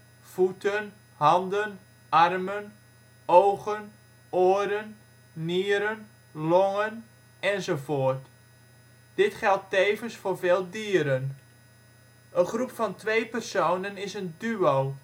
voeten, handen, armen, ogen, oren, nieren, longen, enzovoort. Dit geldt tevens voor veel dieren. Een groep van 2 personen is een duo